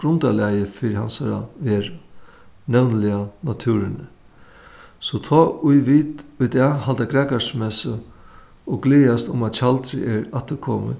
grundarlagið fyri hansara veru nevniliga náttúruni so tá ið vit í dag halda grækarismessu og gleðast um at tjaldrið er afturkomið